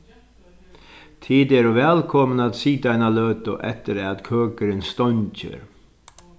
tit eru vælkomin at sita eina løtu eftir at køkurin steingir